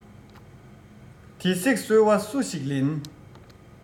དེ བསྲེགས སོལ བ སུ ཞིག ལེན